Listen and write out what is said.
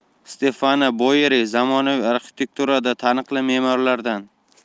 stefano boyeri zamonaviy arxitekturada taniqli me'morlardan